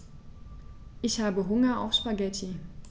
Ich habe Hunger auf Spaghetti.